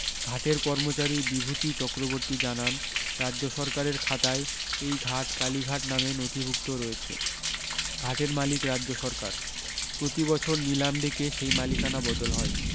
ঘাটের কর্মচারী বিভূতি চক্রবর্তী জানান রাজ্য সরকারের খাতায় এই ঘাট কালী ঘাট নামে নথিভুক্ত রয়েছে ঘাটের মালিক রাজ্য সরকার প্রতি বছর নিলাম ডেকে সেই মালিকানা বদল হয়